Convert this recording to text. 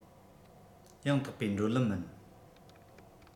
ཡང དག པའི བགྲོད ལམ མིན